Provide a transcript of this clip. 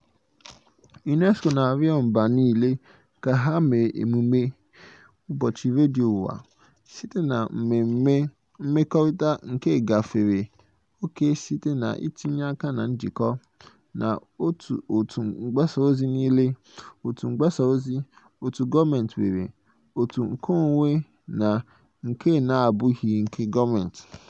Isiokwu nke mbipụta 14 nke Ụbọchị Redio Ụwa bụ "Radio na Diversity".